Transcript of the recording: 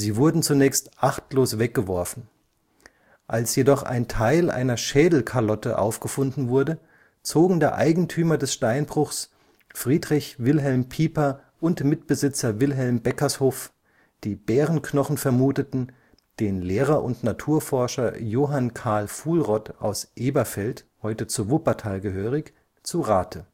wurden zunächst achtlos weggeworfen; als jedoch ein Teil einer Schädelkalotte aufgefunden wurde, zogen der Eigentümer des Steinbruchs, Friedrich Wilhelm Pieper und Mitbesitzer Wilhelm Beckershoff, die Bärenknochen vermuteten, den Lehrer und Naturforscher Johann Carl Fuhlrott aus Elberfeld (heute zu Wuppertal) zu Rate